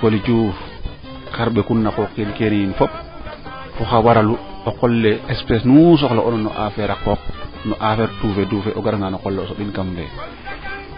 Coly Diouf xar ɓekun na qoq kiin keene yiin fop fo xaa waralun o qol le espene nu soxla a noona na affaire a qooq no affaire toufe tuufe o garanga o qole o soɓin kam fee